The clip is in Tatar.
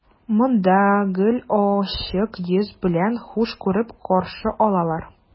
Монда гел ачык йөз белән, хуш күреп каршы алалар.